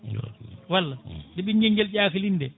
walla nde ɓinguel nguel ƴakolini nde